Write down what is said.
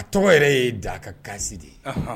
Tɔgɔ yɛrɛ ye Da ka kasi de ye anhan